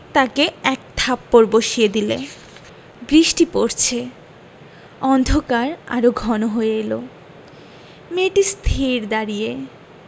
তাকে এক থাপ্পড় বসিয়ে দিলে বৃষ্টি পরছে অন্ধকার আরো ঘন হয়ে এল মেয়েটি স্থির দাঁড়িয়ে